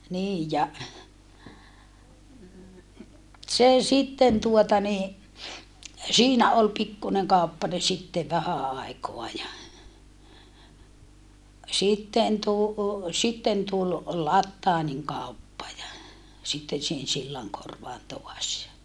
niin ja se sitten tuota niin siinä oli pikkuinen kauppanen sitten vähän aikaa ja sitten - sitten tuli Plathanin kauppa ja sitten siihen Sillankorvaan taas ja